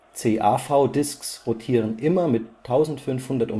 CAV Disks rotieren immer mit 1500/min